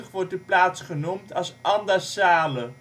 wordt de plaats genoemd als Andassale